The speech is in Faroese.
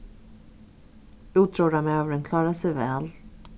útróðrarmaðurin klárar seg væl